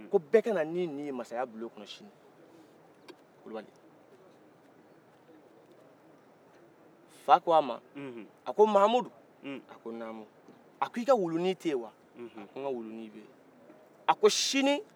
ko bɛ ka na n'i ni ye sini masaya bulon kɔnɔ kulubali fa ko a ma a ko mamudu a ko naamu a ko i ka wulunin tɛ yen wa unhun a ko n ka wulunin bɛ yen a ko sini